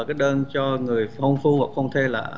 đơn cho người phong phú và hôn thê là